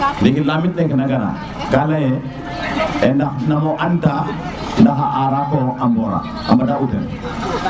i lamit neke na gara ka leye e ndax nama an ta ndax a ara ke wo`a mbora a mbada utel